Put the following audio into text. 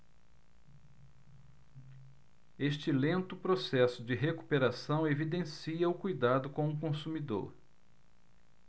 este lento processo de recuperação evidencia o cuidado com o consumidor